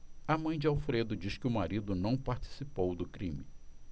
a mãe de alfredo diz que o marido não participou do crime